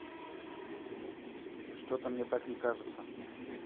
что то мне так не кажется